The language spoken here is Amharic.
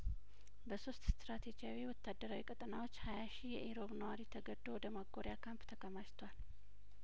በሶስት ስትራቴጂ ያዊ ወታደራዊ ቀጠናዎች ሀያሺ የኢሮብ ነዋሪ ተገዶ ወደ ማጐሪያካምፕ ተከማችቷል